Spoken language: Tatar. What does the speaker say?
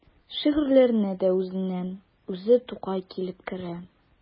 Шигырьләренә дә үзеннән-үзе Тукай килеп керә.